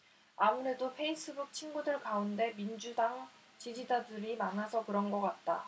아무래도 페이스북 친구들 가운데 민주당 지지자들이 많아서 그런 것 같다